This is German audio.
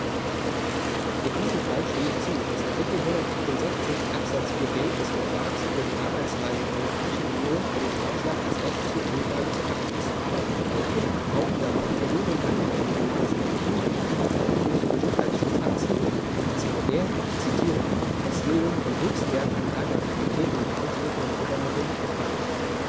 In diesem Fall stimme ich zu, dass Artikel 168 Absatz 4b des Vertrags über die Arbeitsweise der Europäischen Union für den Vorschlag als rechtliche Grundlage zu erachten ist, da die auf darauf beruhenden angenommenen Maßnahmen unmittelbar auf den öffentlichen Gesundheitsschutz abzielen, was bei der - ich zitiere - "Festlegung von Höchstwerten an Radioaktivität in Nahrungsmitteln und Futtermitteln" der Fall ist.